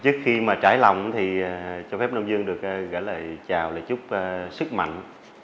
trước khi mà trải lòng thì cho phép đông dương được gửi lời chào lời chúc sức mạnh